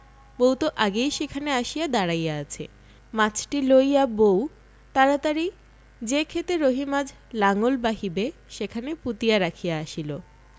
বউ তো আগেই সেখানে আসিয়া দাঁড়াইয়া আছে মাছটি লইয়া বউ তাড়াতাড়ি যে ক্ষেতে রহিম আজ লাঙল বাহিবে সেখানে পুঁতিয়া রাখিয়া আসিল